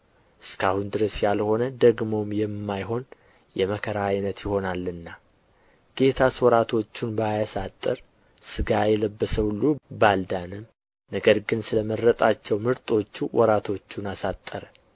እስከ አሁን ድረስ ያልሆነ ደግሞም የማይሆን የመከራ ዓይነት ይሆናልና ጌታስ ወራቶቹን ባያሳጥር ሥጋ የለበሰ ሁሉ ባልዳነም ነገር ግን ስለ መረጣቸው ምርጦች ወራቶቹን አሳጠረ